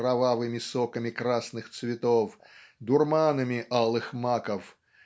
кровавыми соками красных цветов дурманами алых маков